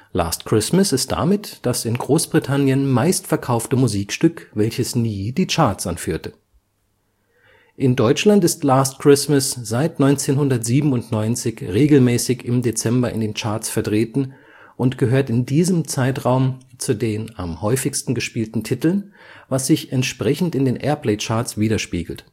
Last Christmas ist damit das in Großbritannien meistverkaufte Musikstück, welches nie die Charts anführte. In Deutschland ist Last Christmas seit 1997 regelmäßig im Dezember in den Charts vertreten und gehört in diesem Zeitraum zu den am häufigsten gespielten Titeln, was sich entsprechend in den Airplaycharts widerspiegelt